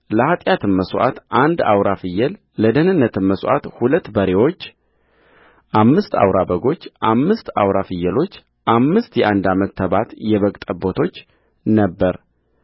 ለኃጢአትም መሥዋዕት አንድ አውራ ፍየልለደኅንነትም መሥዋዕት ሁለት በሬዎች አምስት አውራ በጎች አምስት አውራ ፍየሎች አምስት የአንድ ዓመት ተባት የበግ ጠቦቶች ነበረ